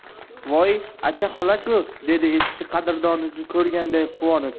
voy acha xola ku dedi eski qadrdonini ko'rgandek quvonib